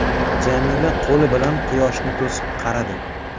jamila qoli bilan quyoshni to'sib qaradi